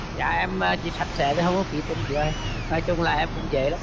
dạ em chỉ sạch sẽ thôi không có kỹ tính chị ơi nói chung là em cũng dễ lắm